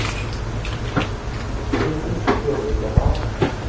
переключи первый канал